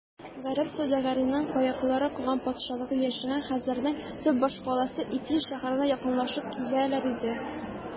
Гарәп сәүдәгәренең каеклары каган патшалыгы яшәгән хәзәрнең төп башкаласы Итил шәһәренә якынлашып киләләр иде.